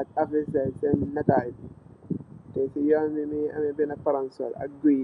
ak africell sen netaal bi, te si yoon bi mingi ameh bena palansoor ak guy.